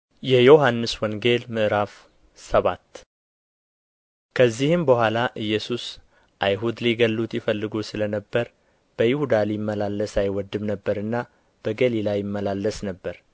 የዮሐንስ ወንጌል ምዕራፍ ሰባት ከዚህም በኋላ ኢየሱስ አይሁድ ሊገድሉት ይፈልጉ ስለ ነበር በይሁዳ ሊመላለስ አይወድም ነበርና በገሊላ ይመላለስ ነበር